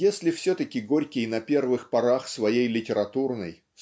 Если все-таки Горький на первых порах своей литературной